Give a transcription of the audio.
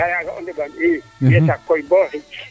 i yaaga o ndeɓandoong o ret koy boo xij